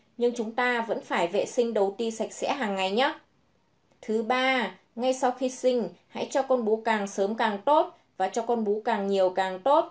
nhưng chúng ta vẫn phải vệ sinh đầu ti sạch sẽ hàng ngày nhé ngay sau khi sinh hãy cho con bú càng sớm càng tốt và cho con bú càng nhiều càng tốt